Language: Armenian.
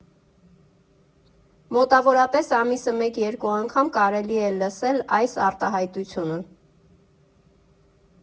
Մոտավորապես ամիսը մեկ֊երկու անգամ կարելի է լսել այս արտահայտությունը.